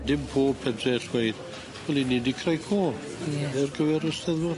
Dim pob pentre all weud Wel 'yn ni 'di creu côr. Ie. Ar gyfer y Steddfod.